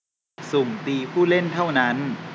สุ่มตีผู้เล่นเท่านั้น